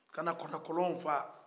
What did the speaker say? a na kana kɔlɔnw fa